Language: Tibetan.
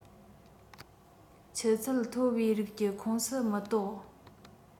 ཆུ ཚད མཐོ བའི རིགས གྱི ཁོངས སུ མི གཏོགས